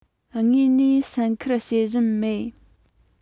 དངོས ནས སེམས ཁུར བྱེད བཞིན མེད